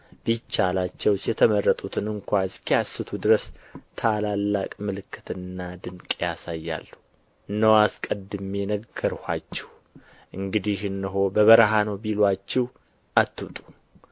ቢቻላቸውስ የተመረጡትን እንኳ እስኪያስቱ ድረስ ታላላቅ ምልክትና ድንቅ ያሳያሉ እነሆ አስቀድሜ ነገርኋችሁ እንግዲህ እነሆ በበረሀ ነው ቢሉአችሁ አትውጡ